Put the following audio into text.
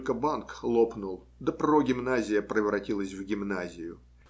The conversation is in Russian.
только банк лопнул, да прогимназия превратилась в гимназию.